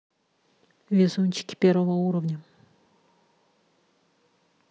везунчики первого уровня